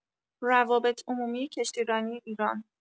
روابط‌عمومی کشتیرانی ایران